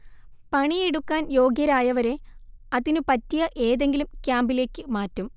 പണിയെടുക്കാൻ യോഗ്യരായവരെ അതിനുപറ്റിയ ഏതെങ്കിലും ക്യാമ്പിലേക്ക് മാറ്റും